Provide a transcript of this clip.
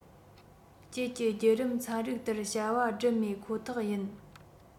དཀྱིལ གྱི བརྒྱུད རིམ ཚན རིག ལྟར བྱ བ བསྒྲུབ མེད ཁོ ཐག ཡིན